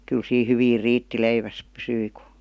kyllä siinä hyvin riitti leivässä pysyi kun